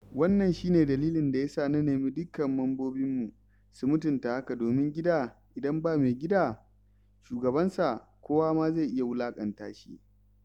Wannan shi ne dalilin da ya sa na nemi dukkanin mambobinmu su mutunta haka domin gida idan ba maigida (shugabansa) kowa ma zai iya wulaƙanta shi.